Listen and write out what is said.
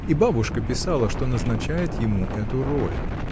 И бабушка писала, что назначает ему эту роль.